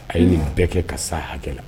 A ye nin bɛɛ kɛ ka s'a hakɛ la